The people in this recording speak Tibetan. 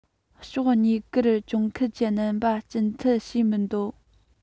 ཕྱོགས གཉིས ཀར གྱོང འགུལ གྱི རྣམ པ རྒྱུན མཐུད བྱེད མི འདོད